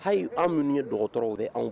Hali anw munun ye docteurs ye u bɛ anw